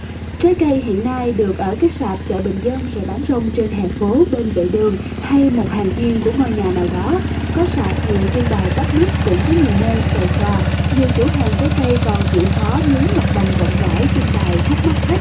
trái cây hiện nay được ở các sạp chợ bình dân rồi bán rong trên hè phố bên vệ đường hay một hàng hiên của ngôi nhà nào đó có sạp thì trưng bày bắt mắt cũng có nhiều nơi xuề xòa nhiều chủ hàng trái cây còn chịu khó mướn mặt bằng rộng rãi trưng bày hút mắt khách